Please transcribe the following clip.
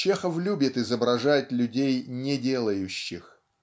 Чехов любит изображать людей неделающих.